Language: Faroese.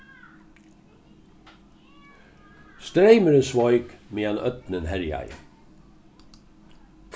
streymurin sveik meðan ódnin herjaði